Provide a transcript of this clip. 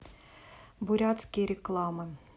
бурятские рекламы